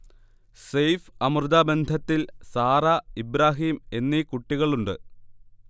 സെയ്ഫ്-അമൃത ബന്ധത്തിൽ സാറ, ഇബ്രാഹീം എന്നീ കുട്ടികളുണ്ട്